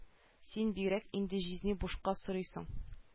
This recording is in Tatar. Син бигрәк инде җизни бушка сорыйсың